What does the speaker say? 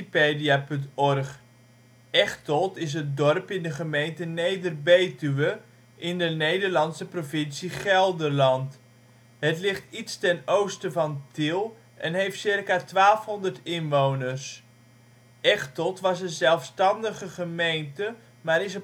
55 ' N, 5° 30 ' O Echteld Plaats in Nederland Situering Provincie Gelderland Gemeente Neder-Betuwe Coördinaten 51° 55′ NB, 5° 30′ OL Algemeen Inwoners (2005) ca. 1200 Detailkaart Locatie in de gemeente Neder-Betuwe Portaal Nederland Echteld is een dorp in de gemeente Neder-Betuwe, in de Nederlandse provincie Gelderland. Het ligt iets ten oosten van Tiel en heeft ca. 1200 inwoners. Echteld was een zelfstandige gemeente maar is